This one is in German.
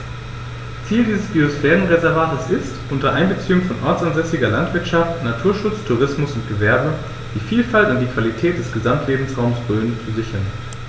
Ziel dieses Biosphärenreservates ist, unter Einbeziehung von ortsansässiger Landwirtschaft, Naturschutz, Tourismus und Gewerbe die Vielfalt und die Qualität des Gesamtlebensraumes Rhön zu sichern.